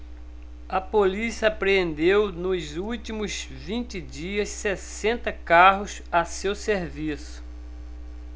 a polícia apreendeu nos últimos vinte dias sessenta carros a seu serviço